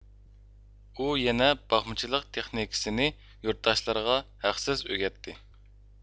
ئۇ يەنە باقمىچىلىق تېخنىكىسىنى يۇرتداشلىرىغا ھەقسىز ئۆگەتتى